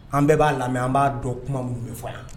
An bɛɛ b'a lamɛn an b'a dɔn kuma minnu bɛ fɔ yan